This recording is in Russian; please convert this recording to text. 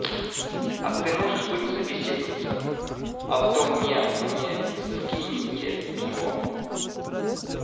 а ты может быть собеседница а то мне не скинте пиво